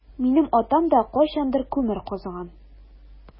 Минем атам да кайчандыр күмер казыган.